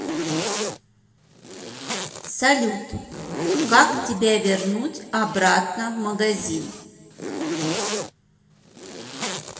салют как тебя вернуть обратно в магазин